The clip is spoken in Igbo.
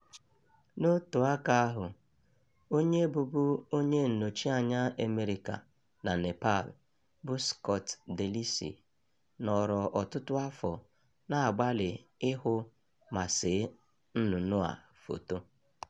N'otu aka ahụ, onye bụbu onye nnọchianya America na Nepal bụ Scott DeLisi nọrọ ọtụtụ afọ na-agbalị ịhụ ma see nnụnụ a foto.